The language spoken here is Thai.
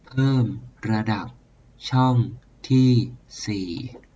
เพิ่มระดับช่องที่สี